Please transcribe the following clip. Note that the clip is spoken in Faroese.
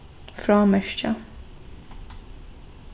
frámerkja